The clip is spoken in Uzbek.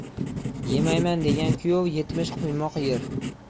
yemayman degan kuyov yetmish quymoq yer